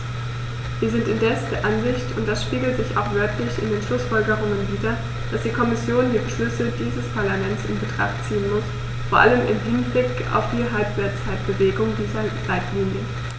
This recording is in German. Wir sind indes der Ansicht und das spiegelt sich auch wörtlich in den Schlussfolgerungen wider, dass die Kommission die Beschlüsse dieses Parlaments in Betracht ziehen muss, vor allem im Hinblick auf die Halbzeitbewertung dieser Leitlinien.